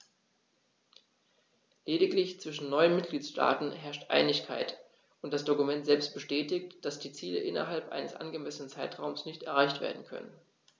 Lediglich zwischen neun Mitgliedsstaaten herrscht Einigkeit, und das Dokument selbst bestätigt, dass die Ziele innerhalb eines angemessenen Zeitraums nicht erreicht werden können.